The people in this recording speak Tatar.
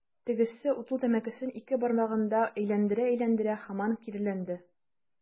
Тегесе, утлы тәмәкесен ике бармагында әйләндерә-әйләндерә, һаман киреләнде.